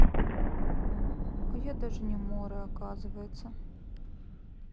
а я даже не more оказывается